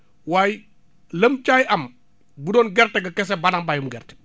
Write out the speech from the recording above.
waaye lam cay am bu doon gerte kese ba na mbayum gerte